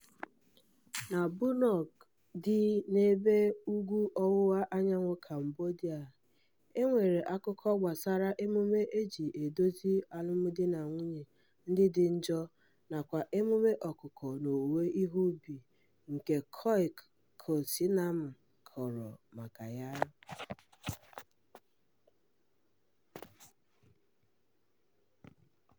Na Bunong, dị n'ebe ugwu ọwụwa anyanwụ Cambodia, e nwere akụkọ gbasara emume e jị edozi alụmdinanwunye ndị dị njọ nakwa emume ọ̀kụ̀kọ̀ na ọwụwụ ihe ubi nke Khoeuk Keosinaem kọrọ maka ya.